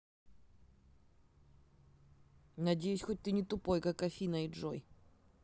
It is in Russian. надеюсь хоть ты не тупой как афина и джой